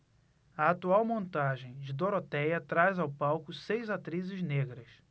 a atual montagem de dorotéia traz ao palco seis atrizes negras